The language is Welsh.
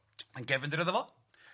Mae'n gefndir iddo fo.